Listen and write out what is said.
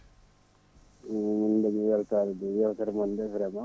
emin daañi weltare e yewtere moon he vraiment